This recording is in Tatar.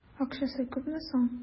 Акчасы күпме соң?